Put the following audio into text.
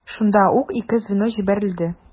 Шунда ук ике звено җибәрелде.